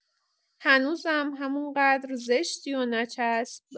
هنوزم همون قدر زشتی و نچسب.